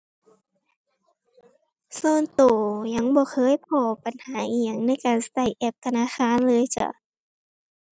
ส่วนตัวยังบ่เคยพ้อปัญหาอิหยังในการตัวแอปธนาคารเลยจ้ะ